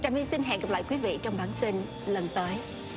trà my xin hẹn gặp lại quý vị trong bản tin lần tới